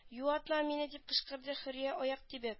Юатма мине дип кычкырды хөрия аяк тибеп